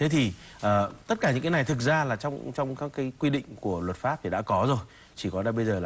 thế thì ờ tất cả những cái này thực ra là trong trong các cái quy định của luật pháp thì đã có rồi chỉ có là bây giờ